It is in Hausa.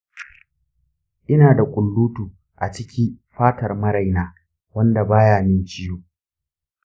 ina da ƙullutu aciki fatar maraina wanda ba ya min ciwo.